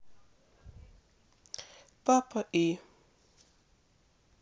папа и